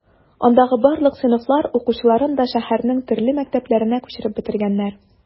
Андагы барлык сыйныфлар укучыларын да шәһәрнең төрле мәктәпләренә күчереп бетергәннәр.